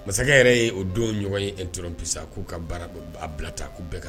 Mansakɛ yɛrɛ ye o don ɲɔgɔn ye dɔrɔn bisa k'u ka baara bila ta k'u bɛɛ kan